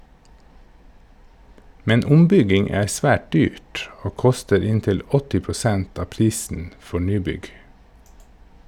Men ombygging er svært dyrt, og koster inntil 80 prosent av prisen for nybygg.